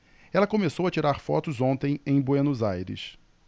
ela começou a tirar fotos ontem em buenos aires